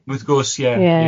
Wrth gwrs ie. Ie.